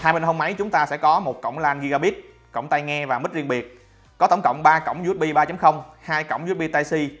bên hông máy chúng ra có cổng lan gigabits cổng tai nghe và mic riêng biệt có tổng cộng cổng usb cổng usb typec